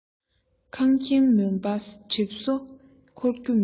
ཁང ཁྱིམ མུན པ གྲིབ སོ འཁོར རྒྱུ མེད